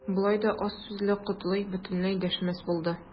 Болай да аз сүзле Котлый бөтенләй дәшмәс булды.